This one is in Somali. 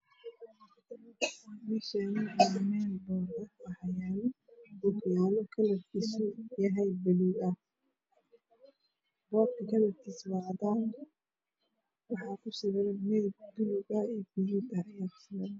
Meeshaan waa boor kalarkiisu waa cadaan waxaa kusawiran midab buluug ah iyo gaduud.